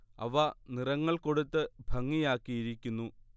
അവ നിറങ്ങൾ കൊടുത്ത് ഭംഗിയാക്കിയിരിക്കുന്നു